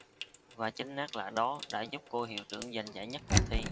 và chính nét lạ đó đã giúp cô hiệu trưởng giành giải nhất cuộc thi